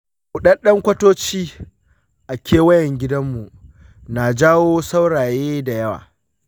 buɗaɗɗen kwatoci a kewayen gidanmu na janyo sauraye dayawa.